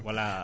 voilà